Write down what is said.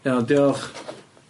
Iawn diolch.